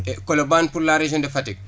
et Colobane pour la région de Fatick